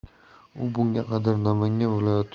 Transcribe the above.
u bunga qadar namangan viloyati